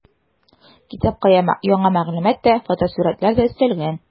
Китапка яңа мәгълүмат та, фотосурәтләр дә өстәлгән.